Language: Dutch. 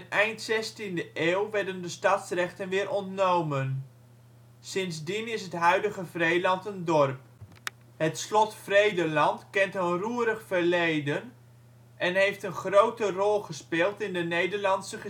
eind 16e eeuw werden de stadsrechten weer ontnomen. Sindsdien is het huidige Vreeland een dorp. Het slot Vredelant kent een roerig verleden en heeft een grote rol gespeeld in de Nederlandse